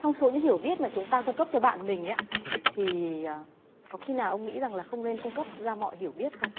trong số những hiểu biết mà chúng ta cung cấp cho bạn mình đấy ạ thì à có khi nào ông nghĩ rằng là không nên cung cấp ra mọi hiểu biết không